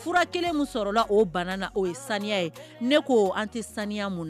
Fura kelen min sɔrɔlala o bana o ye sanya ye ne ko'o an tɛ saniya mun